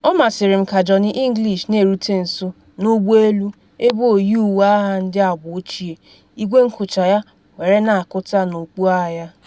Ọ masịrị m ka Johnny English na-erute nso n’ụgbọ elu ebe oyi uwe agha ndị agba ochie, igwe nkucha were na-akụta n’okpu agha ya.